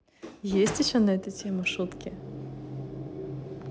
есть еще на эту тему шутки